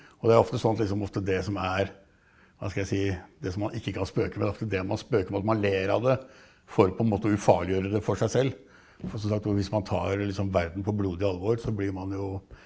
og det er ofte sånn at liksom ofte det som er, hva skal jeg si, det som man ikke kan spøke med det er ofte det man spøker med, at man ler av det for på en måte å ufarliggjøre det for seg selv, for som sagt da hvis man tar liksom verden på blodig alvor så blir man jo.